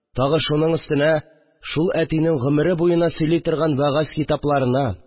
Тагы шуның өстенә шул әтинең гомере буена сөйли торган вәгазь китапларына